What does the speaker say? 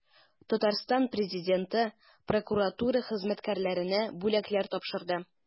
Татарстан Президенты прокуратура хезмәткәрләренә бүләкләр тапшырды.